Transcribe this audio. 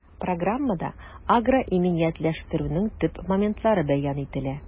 Программада агроиминиятләштерүнең төп моментлары бәян ителә.